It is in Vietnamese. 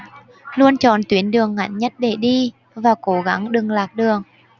luôn chọn tuyến đường ngắn nhất để đi và cố gắng đừng lạc đường